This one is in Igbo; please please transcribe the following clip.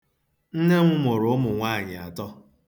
Nne m mụrụ ụmụnwaanyị atọ.